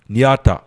N'i y'a ta